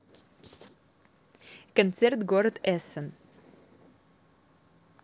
концерт город эссен